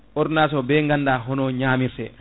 ordonnance o be ganda hono ñamirte